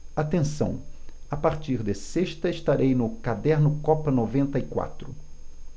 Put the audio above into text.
atenção a partir de sexta estarei no caderno copa noventa e quatro